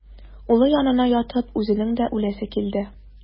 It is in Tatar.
Улы янына ятып үзенең дә үләсе килде.